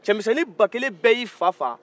cɛminsɛnnin ba kelen bɛɛ y' i fa faga